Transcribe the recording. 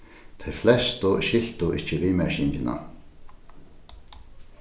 tey flestu skiltu ikki viðmerkingina